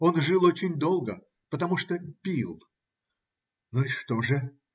Он жил очень долго, потому что пил. Ну, и что же?